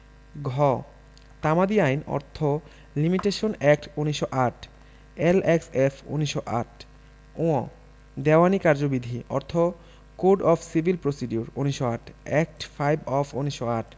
ঘ তামাদি আইন অর্থ limitation act ১৯০৮ L X of ১৯০৮ ঙ দেওয়ানী কার্যবিধি অর্থ code of civil procedure ১৯০৮ act five of ১৯০৮